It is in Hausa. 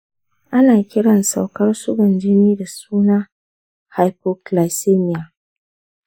ana kiran saukar sugan jini da suna hypoglycaemia.